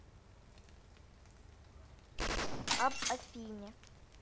об афине